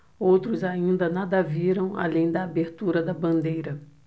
outros ainda nada viram além da abertura da bandeira